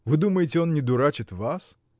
вы думаете, он не дурачит вас?